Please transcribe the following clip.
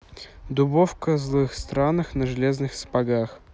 дубовка злых странах на железных сапогах